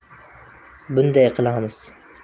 bunday qilamiz